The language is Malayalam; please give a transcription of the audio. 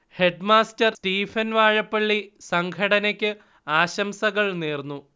ഹെഡ്മാസ്റ്റർ സ്റ്റീഫൻ വാഴപ്പള്ളി സംഘടനയ്ക്ക് ആശംസകൾ നേർന്നു